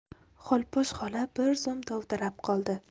xolposh xola bir zum dovdirab qoldi